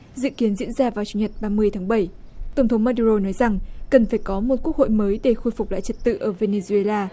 dự kiến diễn ra vào chủ nhật ba mươi tháng bảy tổng thống ma đu rô nói rằng cần phải có một quốc hội mới để khôi phục lại trật tự ở vê nê duê la